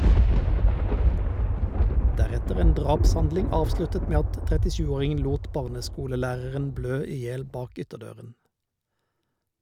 Deretter en drapshandling, avsluttet med at 37-åringen lot barneskolelæreren blø i hjel bak ytterdøren.